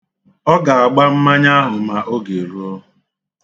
Ọ ga-agba mmanya ahụ ma oge ruo.